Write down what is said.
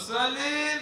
Sa